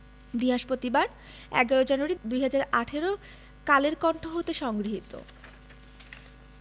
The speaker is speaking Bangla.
বৃহস্পতিবার ১১ জানুয়ারি ২০১৮ কালের কন্ঠ হতে সংগৃহীত